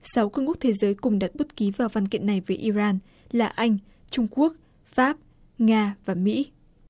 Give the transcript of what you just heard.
sáu cường quốc thế giới cùng đặt bút ký vào văn kiện này với i ran là anh trung quốc pháp nga và mỹ